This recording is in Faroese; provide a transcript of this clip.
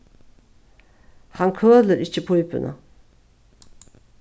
hann kølir ikki pípuna